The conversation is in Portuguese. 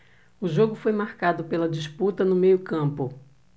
o jogo foi marcado pela disputa no meio campo